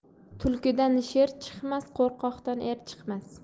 tulkidan sher chiqmas qo'rqoqdan er chiqmas